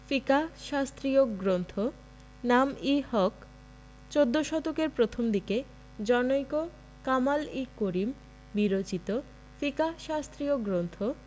ফিকাহ শাস্ত্রীয় গ্রন্থ নাম ই হক চৌদ্দ শতকের প্রথমদিকে জনৈক কামাল ই করিম বিরচিত ফিকাহ শাস্ত্রীয় গ্রন্থ